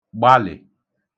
gbalị